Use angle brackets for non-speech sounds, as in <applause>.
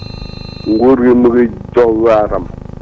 <noise> nguur gi mu ngi dox waaram